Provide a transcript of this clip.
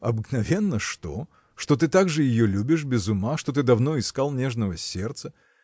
– Обыкновенно что: что ты также ее любишь без ума что ты давно искал нежного сердца